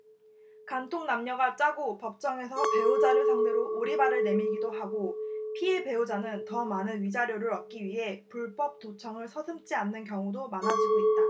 간통 남녀가 짜고 법정에서 배우자를 상대로 오리발을 내밀기도 하고 피해 배우자는 더 많은 위자료를 얻기 위해 불법 도청을 서슴지 않는 경우도 많아지고 있다